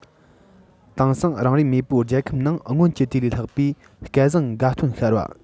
དེང སང རང རེའི མེས པོའི རྒྱལ ཁབ ནང སྔོན གྱི དུས ལས ལྷག པའི སྐལ བཟང དགའ སྟོན ཤར བ